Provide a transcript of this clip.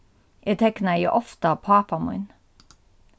eg teknaði ofta pápa mín